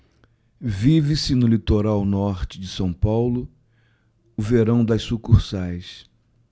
vive-se no litoral norte de são paulo o verão das sucursais